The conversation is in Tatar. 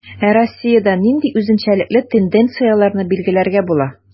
Ә Россиядә нинди үзенчәлекле тенденцияләрне билгеләргә була?